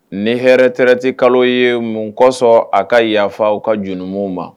Ni hɛrɛ hɛrɛreti kalo ye mun kɔsɔn a ka yafafaw ka dununw ma